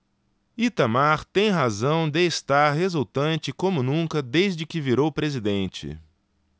itamar tem razão de estar exultante como nunca desde que virou presidente